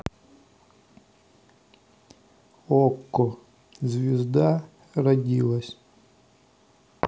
окко звезда родилась